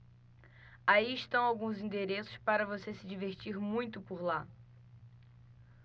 aí estão alguns endereços para você se divertir muito por lá